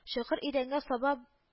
Чокыр идәнгә саба